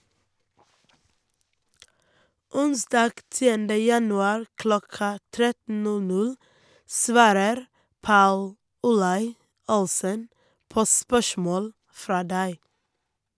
Onsdag 10. januar klokka 13.00 svarer Paul Olai Olssen på spørsmål fra deg.